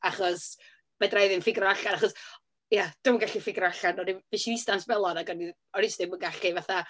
Achos, fedra i ddim ffigro allan. Achos, ia, dwi'm yn gallu ffigro allan, o'n i'm... fues i'n eistedd am sbelan ac o'n i o'n i jyst ddim yn gallu fatha...